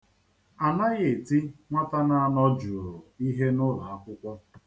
A naghị eti nwata na-anọ jụụ ihe n'ụlọakwụkwọ.